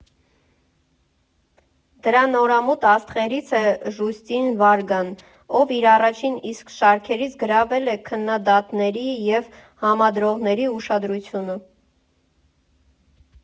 Դրա նորամուտ աստղերից է Ժուստին Վարգան, ով իր առաջին իսկ շարքերից գրավել է քննադատների և համադրողների ուշադրությունը։